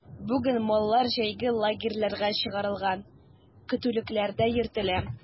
Бүген маллар җәйге лагерьларга чыгарылган, көтүлекләрдә йөртелә.